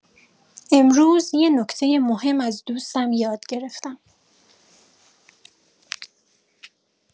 امروز یه نکته مهم از دوستم یاد گرفتم